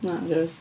Na erioed